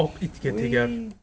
oq itga tegar